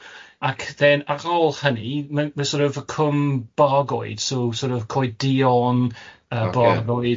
ac then ar ôl hynny, mae mae sor' of y Cwm Bargoed, so sort of, Coed Duon yy